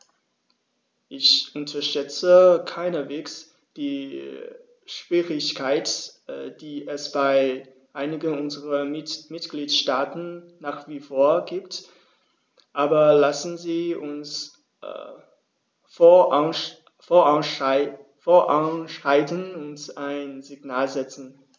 Ich unterschätze keineswegs die Schwierigkeiten, die es bei einigen unserer Mitgliedstaaten nach wie vor gibt, aber lassen Sie uns voranschreiten und ein Signal setzen.